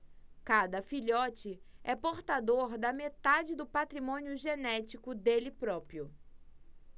cada filhote é portador da metade do patrimônio genético dele próprio